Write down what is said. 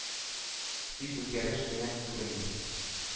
Тик үзгәреш кенә күренми.